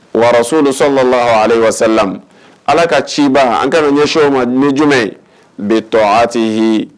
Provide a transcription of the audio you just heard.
Wa srasul sɔls laahu alayihi wa salam alleh lka ciba an ka ɲɛsin o ma ni jɛnmɛ yey? bi tɔɔati laahi